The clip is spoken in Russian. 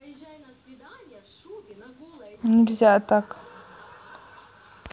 нельзя так